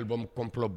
Mu kɔnlɔ